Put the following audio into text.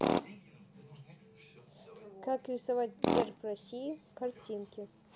как рисовать герб россии картинка